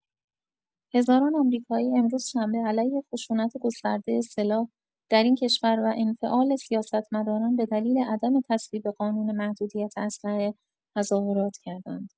هزاران آمریکایی امروز شنبه علیه خشونت گسترده سلاح در این کشور و انفعال سیاستمداران به‌دلیل عدم تصویب قانون محدودیت اسلحه تظاهرات کردند.